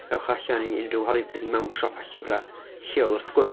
Ewch allan i unrhyw oherwy... fydd hi mewn siopa llyfra lleol, wrth gwrs.